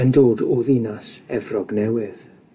yn dod o ddinas Efrog Newydd.